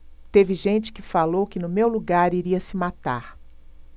teve gente que falou que no meu lugar iria se matar